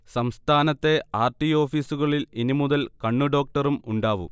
സംസ്ഥാനത്തെ R. T ഓഫീസുകളിൽ ഇനി മുതൽ കണ്ണുഡോക്ടറും ഉണ്ടാവും